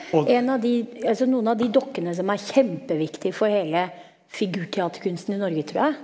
en av de, altså noen av de dokkene som er kjempeviktig for hele figurteaterkunsten i Norge trur jeg.